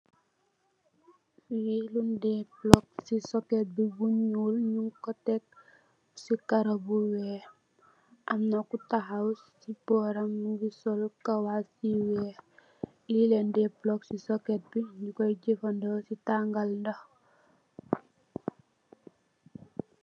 Lee lüñ de polug se suket be bu nuul nugku take se karou bu weex amna ku tahaw se boram muge sol kawass yu weex le lang de polug se suket be nukoy jufadu se tagal noox.